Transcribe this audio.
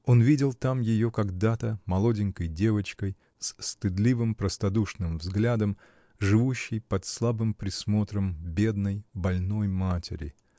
Он видел там ее когда-то молоденькой девочкой, с стыдливым, простодушным взглядом, живущей под слабым присмотром бедной, больной матери.